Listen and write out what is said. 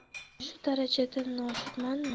shu darajada noshudmanmi